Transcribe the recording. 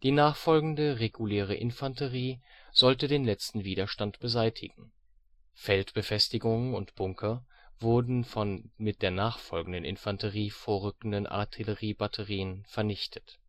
nachfolgende, reguläre Infanterie sollte den letzten Widerstand beseitigen. Feldbefestigungen und Bunker wurden von mit der nachfolgenden Infanterie vorrückenden Artilleriebatterien vernichtet